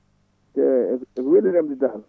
te e ko weeli remde daal